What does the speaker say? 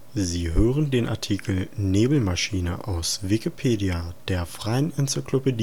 Sie hören den Artikel Nebelmaschine, aus Wikipedia, der freien Enzyklopädie